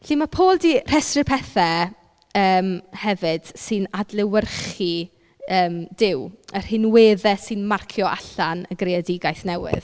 Felly ma' Paul 'di rhestru pethe yym hefyd sy'n adlewyrchu yym Duw, y rhinweddau sy'n marcio allan y greadigaeth newydd.